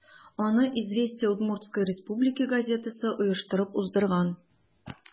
Аны «Известия Удмуртсткой Республики» газетасы оештырып уздырган.